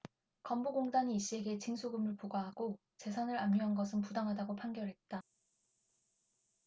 건보공단이 이씨에게 징수금을 부과하고 재산을 압류한 것은 부당하다고 판결했다